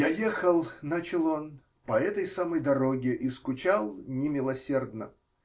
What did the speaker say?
-- Я ехал, -- начал он, -- по этой самой дороге и скучал немилосердно.